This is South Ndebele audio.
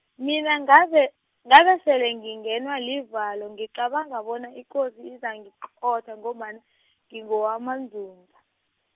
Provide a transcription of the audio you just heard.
mina ngabe, ngabesele ngingenwa livalo ngicabanga bona ikosi izangiqotha ngombana , ngingowamaNdzundza.